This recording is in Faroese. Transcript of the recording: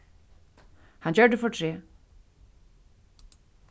hann gjørdi fortreð